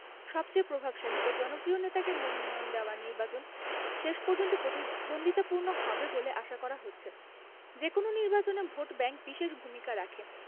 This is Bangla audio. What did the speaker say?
সবচেয়ে প্রভাবশালী ও জনপ্রিয় নেতাকে মনোনয়ন দেওয়া নির্বাচন শেষ পর্যন্ত প্রতিদ্বন্দ্বিতাপূর্ণ হবে বলে আশা করা হচ্ছে যেকোনো নির্বাচনে ভোটব্যাংক বিশেষ ভূমিকা রাখে